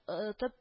Оотып